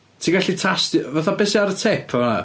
Ti'n gallu tasti- fatha be sy ar y tip fan'na?